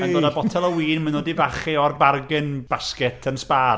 Yn dod â botel o win maen nhw 'di fachu o'r bargain basket yn Spar.